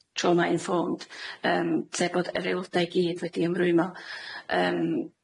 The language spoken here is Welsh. trauma-informed, yym, sef bod yr aelode i gyd wedi ymrwymo, yym.